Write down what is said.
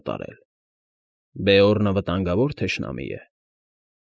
Կատարել։ Բեորնը վտանգավոր թշնամի է։